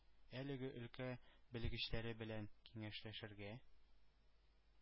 Әлеге өлкә белгечләре белән киңәшләшергә,